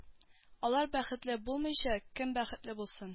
Алар бәхетле булмыйча кем бәхетле булсын